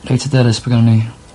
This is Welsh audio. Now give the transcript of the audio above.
reit hyderys bo' gynnon ni